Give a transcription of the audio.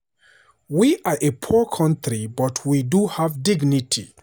"We are a poor country, but we do have dignity.